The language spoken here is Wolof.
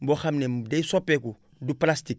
boo xam ne day soppeeku du plastique